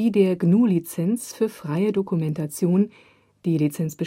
GNU Lizenz für freie Dokumentation. Gemeiner Schimpanse Bonobo (Zwergschimpanse) Jared Diamond Der